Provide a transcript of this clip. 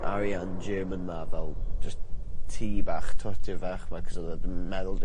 ...arian German 'ma fel jyst tŷ bach twt rhyw fach 'ma 'c'os odd o dim yn meddwl